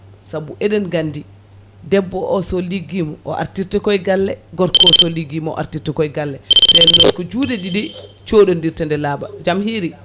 saabu eɗen gandi debbo o ligguima o artita koye galle gorko o so ligguima o artirta koye galle nde noon ko juuɗe ɗiɗi coɗodirta nde laaɓa jaam hiiri